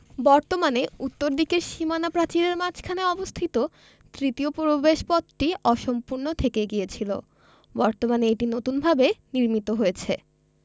বর্তমানে উত্তর দিকের সীমানা প্রাচীরের মাঝখানে অবস্থিত তৃতীয় প্রবেশপথটি অসম্পূর্ণ থেকে গিয়েছিল বর্তমানে এটি নতুনভাবে নির্মিত হয়েছে